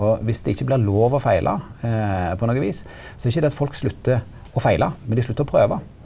og viss det ikkje blir lov å feila på noko vis så er ikkje det at folk sluttar å feila men dei sluttar å prøva.